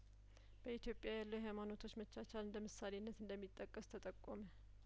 በኢትዮጵያ ያለው የሀይማኖቶች መቻቻል እንደምሳሌነት እንደሚጠቀስ ተጠቆመ